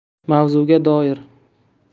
mavzuga doir